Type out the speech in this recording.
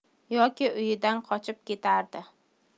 yoki uyidan qochib ketardi